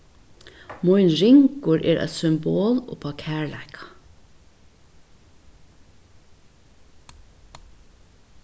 mín ringur er eitt symbol uppá kærleika